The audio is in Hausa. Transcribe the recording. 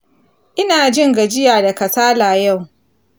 ina jin gajiya da kasala yau